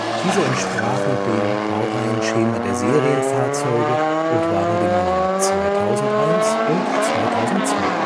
Diese entsprachen dem Baureihenschema der Serienfahrzeuge und waren die Nummern 2001 und 2002